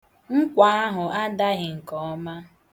Nkwa ahụ adaghị nke ọma.